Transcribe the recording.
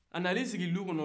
a nana i sigi du kɔnɔ